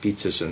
Peterson.